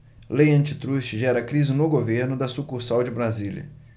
lei antitruste gera crise no governo da sucursal de brasília